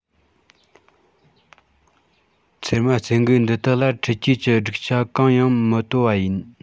ཚེར མ རྩེ གུག འདི དག ལ འཕྲུལ ཆས ཀྱི སྒྲིག ཆ གང ཡང མི དོ བ ཡིན